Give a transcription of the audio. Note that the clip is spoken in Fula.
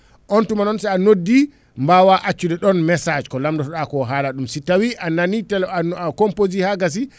on tuma noon sa noddi mbawa accude ɗon message ko namdotoɗako o haalaɗum so tawi anani tel ano composi ha gassi